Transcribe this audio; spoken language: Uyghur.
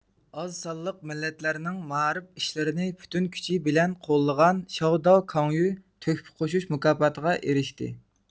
ئاز سانلىق مىللەتلەرنىڭ مائارىپ ئىشلىرىنى پۈتۈن كۈچى بىلەن قوللىغان شياۋداۋ كاڭيۈ تۆھپە قوشۇش مۇكاپاتىغا ئېرىشتى